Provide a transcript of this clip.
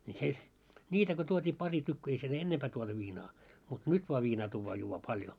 niin se niitä kun tuotiin pari tykkyä ei siellä ennempää tuotu viinaa mutta nyt vain viinaa tuodaan juodaan paljon